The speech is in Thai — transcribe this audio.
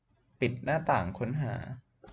ปิดหน้าต่างค้นหา